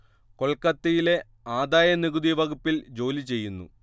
കൊൽക്കത്തയിലെ ആദായ നികുതി വകുപ്പിൽ ജോലി ചെയ്യുന്നു